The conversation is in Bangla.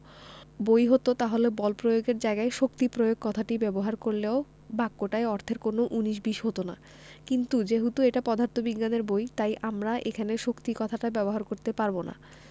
বই হতো তাহলে বল প্রয়োগ এর জায়গায় শক্তি প্রয়োগ কথাটা ব্যবহার করলেও বাক্যটায় অর্থের কোনো উনিশ বিশ হতো না কিন্তু যেহেতু এটা পদার্থবিজ্ঞানের বই তাই আমরা এখানে শক্তি কথাটা ব্যবহার করতে পারব না